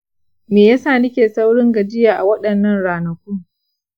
me yasa nike saurin gajiya a waɗannan ranakun?